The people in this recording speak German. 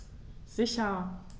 Sicher.